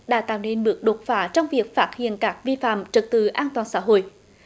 đã tạo nên bước đột phá trong việc phát hiện các vi phạm trật tự an toàn xã hội